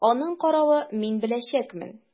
Аның каравы, мин беләчәкмен!